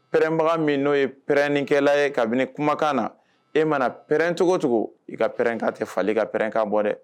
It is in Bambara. Pɛrɛnbaga min n'o ye pɛrɛn nikɛla ye kabini kumakan na e mana pɛrɛn cogocogo i ka pɛrɛnkan tɛ falenli ka pɛrɛnkan bɔ dɛ